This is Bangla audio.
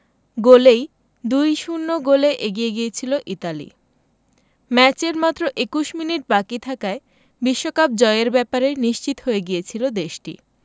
গোলেই ২ ০ গোলে এগিয়ে গিয়েছিল ইতালি ম্যাচের মাত্র ২১ মিনিট বাকি থাকায় বিশ্বকাপ জয়ের ব্যাপারে নিশ্চিত হয়ে গিয়েছিল দেশটি